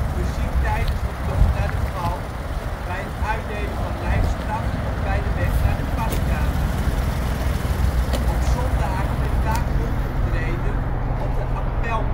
muziek tijdens de tocht naar de galg, bij het uitdelen van lijfstraffen of bij de weg naar de gaskamers. Op zondagen werd vaak opgetreden op de appelplaats